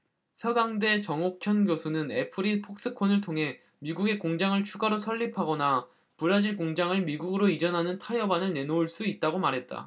서강대 정옥현 교수는 애플이 폭스콘을 통해 미국에 공장을 추가로 설립하거나 브라질 공장을 미국으로 이전하는 타협안을 내놓을 수 있다고 말했다